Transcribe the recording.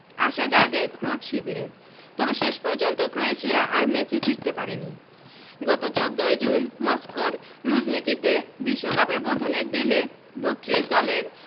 আশা জাগে ক্রোট শিবিরে তবে শেষ পর্যন্ত ক্রোয়েশিয়া আর ম্যাচে ফিরতে পারেনি গত ১৪ জুন মস্কোর লুঝনিকিতে বিশ্বকাপের বোধনের দিনে ৩২ দলের